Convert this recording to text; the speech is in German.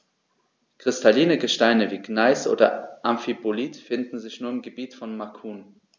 Kristalline Gesteine wie Gneis oder Amphibolit finden sich nur im Gebiet von Macun.